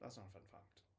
That's not a fun fact.